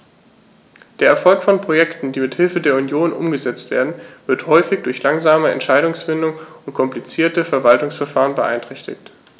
Der Erfolg von Projekten, die mit Hilfe der Union umgesetzt werden, wird häufig durch langsame Entscheidungsfindung und komplizierte Verwaltungsverfahren beeinträchtigt.